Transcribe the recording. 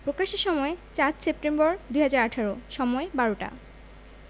প্রকাশের সময়ঃ ৪ সেপ্টেম্বর ২০১৮ সময়ঃ ১২টা